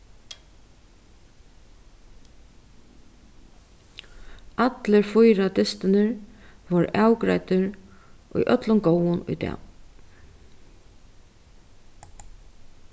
allir fýra dystirnir vóru avgreiddir í øllum góðum í dag